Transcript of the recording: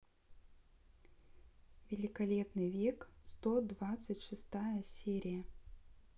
великолепный век сто двадцать шестая серия